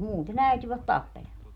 muuten äityivät tappelemaan